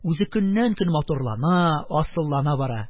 Үзе көннән-көн матурлана, асыллана бара.